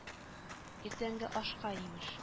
Иртәнге ашка, имеш